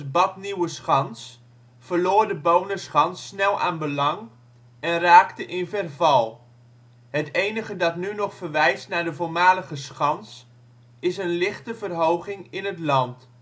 Bad Nieuweschans, verloor de Booneschans snel aan belang en raakte in verval. Het enige dat nu nog verwijst naar de voormalige schans is een lichte verhoging in het land